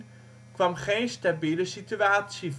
geen stabiele situatie voort